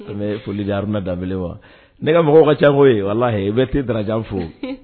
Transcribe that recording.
I bɛ foli di haruna dab wa ne ka mɔgɔ ka ca ye wala i bɛ tɛ darakajan fo